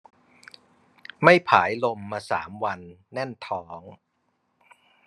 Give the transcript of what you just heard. ไม่ผายลมมาสามวันแน่นท้อง